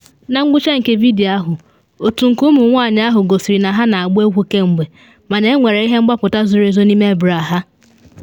Na ngwụcha nke vidio ahụ otu nke ụmụ nwanyị ahụ gosiri na ha na agba egwu kemgbe mana enwere ihe mgbapụta zoro ezo n’ime bra ha.